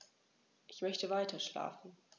Ich möchte weiterschlafen.